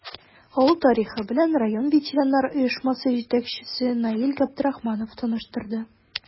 Авыл тарихы белән район ветераннар оешмасы җитәкчесе Наил Габдрахманов таныштырды.